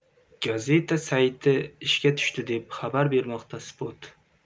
gazeta sayti ishga tushdi deb xabar bermoqda spot